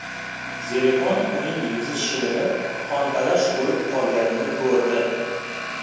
zelixon uning yuzi shilinib qontalash bo'lib qolganini ko'rdi